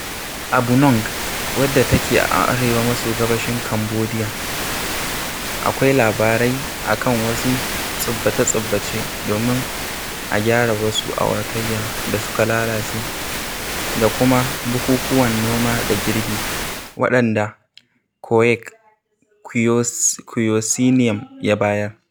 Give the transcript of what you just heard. A Bunong, wadda take a arewa maso gabashin Cambodiya, akwai labarai a kan wasu tsubbace-tsubbace domin a gyara wasu auratayyar da suka lalace da kuma bukukuwan noma da girbi, waɗanda Khoeuk Keosineam ya bayar.